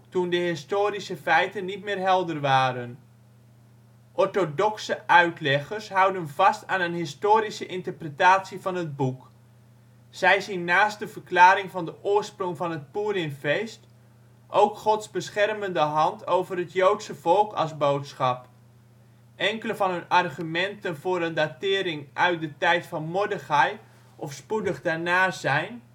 toen de historische feiten niet meer helder waren. Orthodoxe uitleggers houden vast aan een historische interpretatie van het boek. Zij zien naast de verklaring van de oorsprong van het Poerimfeest ook Gods beschermende hand over het Joodse volk als boodschap. Enkele van hun argumenten voor een datering uit de tijd van Mordechai of spoedig daarna zijn